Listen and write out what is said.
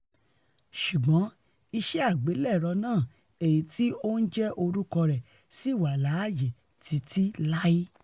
Ṣùgbọ́n iṣẹ́ àgbélẹ̀rọ náà èyití ó ńjẹ́ orúkọ rẹ̀ sí wà láàyé títí lái.